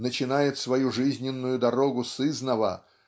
начинает свою жизненную дорогу сызнова